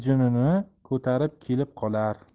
xurjunini ko'tarib kelib qolar